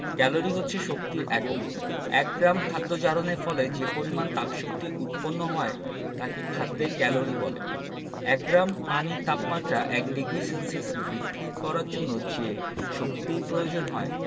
calorie হচ্ছে শক্তির একক এক গ্রাম খাদ্য জারণের ফলে যে পরিমাণ তাপশক্তি উৎপন্ন হয় তাকে খাদ্যের ক্যালরি বলে এক গ্রাম পানির তাপমাত্রা ১ ডিগ্রি সেলসিয়াস বৃদ্ধি করার জন্য যে শক্তির প্রয়োজন হয়